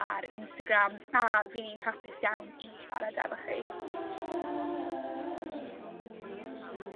ar Instagram a fi'n hapus iawn i siarad efo chi.